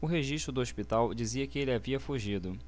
o registro do hospital dizia que ele havia fugido